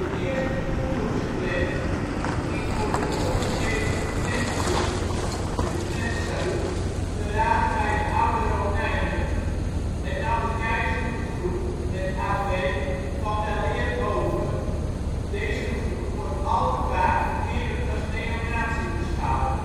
eerste Ku Klux Klan ging voor de officiële Klangroet (de Klan Salute) te rade bij de oude Romeinen en nam de keizerlijke groet (het " Ave ") van weleer over. Deze groet wordt al te vaak verkeerdelijk als neonazi beschouwd